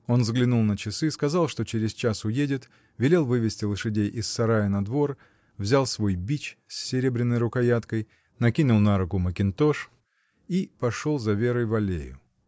Он взглянул на часы, сказал, что через час уедет, велел вывести лошадей из сарая на двор, взял свой бич с серебряной рукояткой, накинул на руку мекинтош и пошел за Верой в аллею.